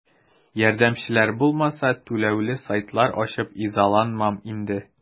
Ярдәмчеләр булмаса, түләүле сайтлар ачып изаланмам инде.